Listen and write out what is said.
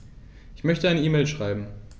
Ich möchte eine E-Mail schreiben.